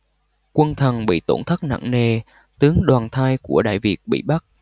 quân trần bị tổn thất nặng nề tướng đoàn thai của đại việt bị bắt